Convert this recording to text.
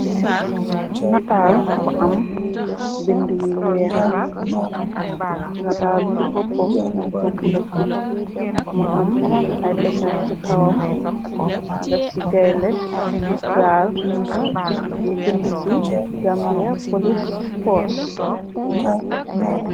Nataal bu am bind yi weex, nataal bi ci bopam dafa bleu, mu am ay dehsen ci kawam, def ci gaindeh, gaal, nju bindi ci Gambia police force.